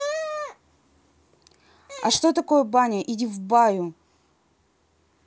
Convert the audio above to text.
а что такое баня иди в баю